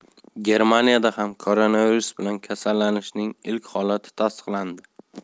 germaniyada ham koronavirus bilan kasallanishning ilk holati tasdiqlandi